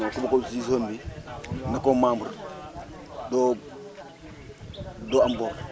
non non ku bokkul si zone bi nekkoo membre doo doo am bor